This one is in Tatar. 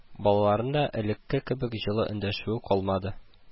Балаларына да элекке кебек җылы эндәшүе калмады